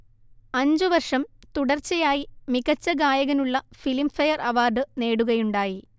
അഞ്ചുവർഷം തുടർച്ചയായി മികച്ചഗായകനുള്ള ഫിലിംഫെയർ അവാർഡ് നേടുകയുണ്ടായി